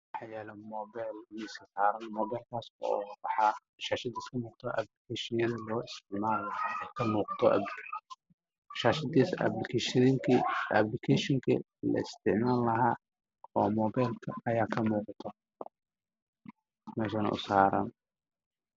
Meeshaan wax yaalo boor wax ku sawiran telefoon weyn waxaana ku dhex jira applicationo faro badan mobeelka shaashadiisa waa caddaan